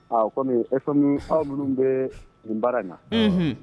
O kɔmi eson minnu bɛ nin baara na